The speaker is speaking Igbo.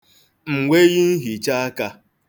m̀weyinhìchaakā